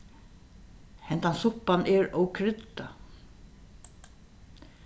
hendan suppan er ov kryddað